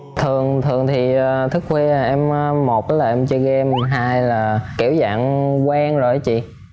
thường thường thì thức khuya em một á là em chơi gêm hai là kiểu dạng quen rồi á chị